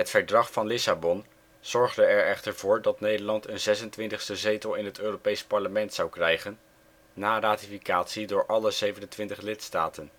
Verdrag van Lissabon zorgde er echter voor dat Nederland een 26e zetel in het Europees Parlement zou krijgen, na ratificatie door alle 27 lidstaten